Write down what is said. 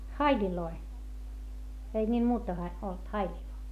haileja ei niillä muuta - ollut haileja